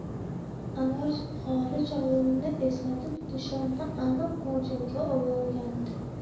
anvar xorij olimini eslatib nishonni aniq mo'ljalga olgandi